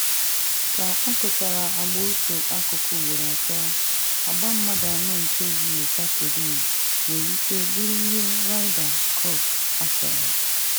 Ka akụchara agba otu akụkụ ugboro atọ, agba mmadụ anọ nke ehihe Satọde nwere ike bụrụ ihe Ryder Cup a chọrọ.